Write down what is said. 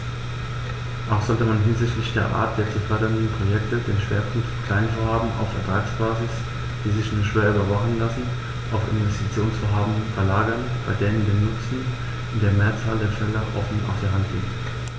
Auch sollte man hinsichtlich der Art der zu fördernden Projekte den Schwerpunkt von Kleinvorhaben auf Ertragsbasis, die sich nur schwer überwachen lassen, auf Investitionsvorhaben verlagern, bei denen der Nutzen in der Mehrzahl der Fälle offen auf der Hand liegt.